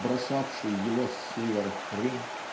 бросавшей его с севера в Крым